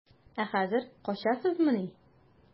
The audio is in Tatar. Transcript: Ә хәзер качасызмыни?